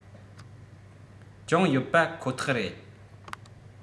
ཅུང ཡོད པ ཁོ ཐག རེད